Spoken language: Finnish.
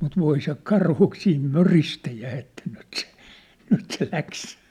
mutta voi se karhu siinä möristä ja että nyt se nyt se lähti